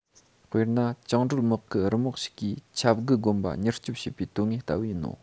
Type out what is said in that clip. དཔེར ན བཅིངས འགྲོལ དམག གི རུ དམག ཤིག གིས ཆབ དགུ དགོན པ མྱུར སྐྱོབ བྱས པའི དོན དངོས ལྟ བུ ཡིན ནོ